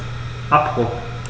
Abbruch.